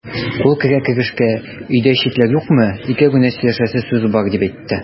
Ул керә-керешкә: "Өйдә читләр юкмы, икәү генә сөйләшәсе сүз бар", дип әйтте.